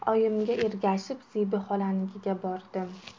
oyimga ergashib zebi xolanikiga bordim